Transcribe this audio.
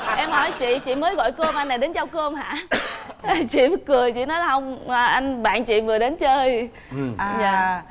em hỏi chị chị mới gọi cơm anh này đến giao cơm hả chị mới cười chị nói là không bạn bạn chị vừa đến chơi dạ